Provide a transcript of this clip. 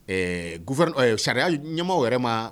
Ɛɛ gouver ɛɛ sariya ɲɛmaaw yɛrɛ ma